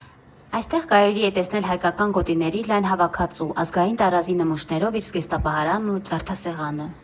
Այստեղ կարելի է տեսնել հայկական գոտիների լայն հավաքածու, ազգային տարազի նմուշներով իր զգեստապահարանն ու զարդասեղանը։